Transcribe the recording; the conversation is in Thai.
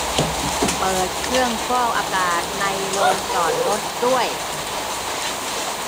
เปิดเครื่องฟอกอากาศในโรงจอดรถด้วย